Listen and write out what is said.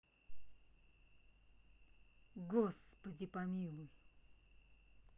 господи помилуй